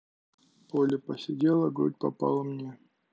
поле посидела грудь попала мне